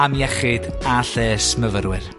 am iechyd a lles myfyrwyr.